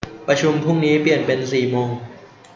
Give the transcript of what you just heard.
ประชุมพรุ่งนี้เปลี่ยนเป็นสี่โมง